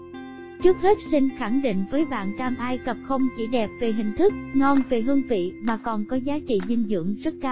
trước hết xin khẳng định với bạn cam ai cập không chỉ đẹp về hình thức ngon về hương vị mà còn có giá trị dinh dưỡng rất cao